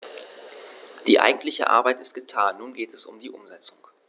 Die eigentliche Arbeit ist getan, nun geht es um die Umsetzung.